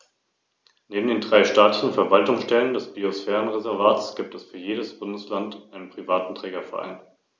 An erster Stelle steht dabei der Gedanke eines umfassenden Naturschutzes.